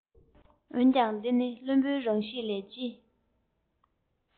འོན ཀྱང འདི ནི བླུན པོའི རང གཤིས ལས ཅི